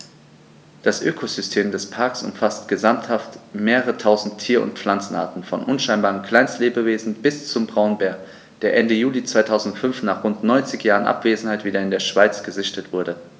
Das Ökosystem des Parks umfasst gesamthaft mehrere tausend Tier- und Pflanzenarten, von unscheinbaren Kleinstlebewesen bis zum Braunbär, der Ende Juli 2005, nach rund 90 Jahren Abwesenheit, wieder in der Schweiz gesichtet wurde.